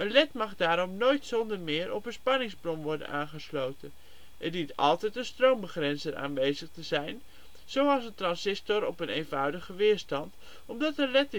led mag daarom nooit zonder meer op een spanningsbron worden aangesloten. Er dient altijd een stroombegrenzer aanwezig te zijn, zoals een transistor of een eenvoudige weerstand, omdat een led